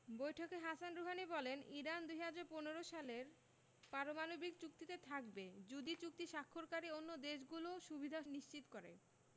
বৈঠকে Hassan Rouhani বলেন Iran ২০১৫ সালের পারমাণবিক চুক্তিতে থাকবে যদি চুক্তি স্বাক্ষরকারী অন্য দেশগুলো সুবিধা নিশ্চিত করে